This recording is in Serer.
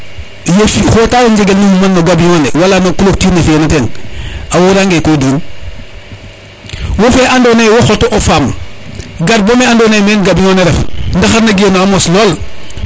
ye fi xota njengel ne xuman no gambiyo ne wala no cloture ne fiye na ten a wora nge ko di in wo fe ando naye wo xotu o faam gar bo me ando naye men gambiyo ne refu ndaxar ne genu a mos lool